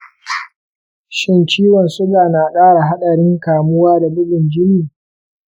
shin ciwon suga na ƙara haɗarin kamuwa da bugun jini?